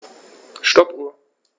Stoppuhr.